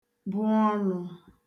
bụ ọnū